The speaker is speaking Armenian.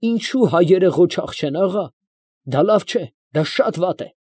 Ինչո՞ւ հայերը ղոչաղ չեն, աղա, դա լավ չէ, դա շա՛տ վատ է։